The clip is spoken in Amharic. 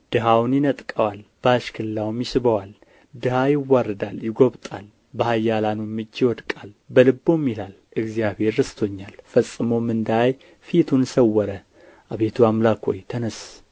ድሀውን ለመንጠቅ ያደባል ድሀውን ይነጥቀዋል በአሽክላውም ይስበዋል ድሀ ይዋረዳል ይጐብጣል በኃያላኑም እጅግ ይወድቃል በልቡም ይላል እግዚአብሔር ረስቶኛል ፈጽሞም እንዳያይ ፊቱን ሰወረ አቤቱ አምላክ ሆይ ተነሥ